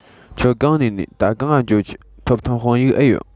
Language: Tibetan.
ཁྱོད གང ནས ནིས ད གང ང འགྱོ རྒྱུ ཐོབ ཐང དཔང ཡིག ཨེ ཡོད